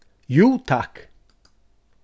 jú takk